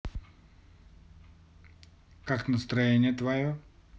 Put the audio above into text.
как настроение твое